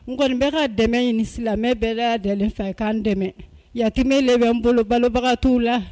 Nkɔni bɛ ka dɛmɛ ɲinimɛ bɛɛ de fɛ k' dɛmɛ yamɛ de bɛ n bolobabaga tu la